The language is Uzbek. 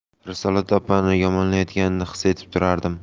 risolat opani yomonlayotganini his etib turardim